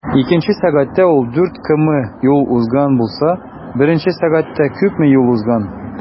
Икенче сәгатьтә ул 4 км юл узган булса, беренче сәгатьтә күпме юл узган?